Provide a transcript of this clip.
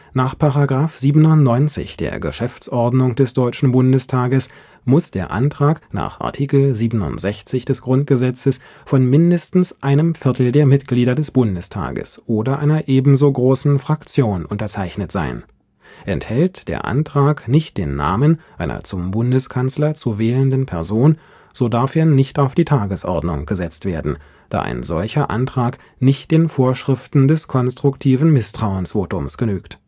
Nach § 97 der Geschäftsordnung des Deutschen Bundestages muss der Antrag nach Art. 67 GG von mindestens einem Viertel der Mitglieder des Bundestag oder einer ebensogroßen Fraktion unterzeichnet sein. Enthält der Antrag nicht den Namen einer zum Bundeskanzler zu wählenden Person, so darf er nicht auf die Tagesordnung gesetzt werden, da ein solcher Antrag nicht den Vorschriften des konstruktiven Misstrauensvotums genügt